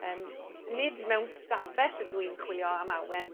yym nid mewn stafell ydw i'n chwilio am awen,